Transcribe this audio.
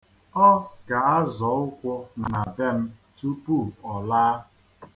Ọ ga-azọ ụkwụ na be m tupu ọ laa.